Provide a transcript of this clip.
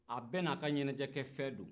a bɛɛ n'a ka ɲɛnajɛ kɛ fɛn do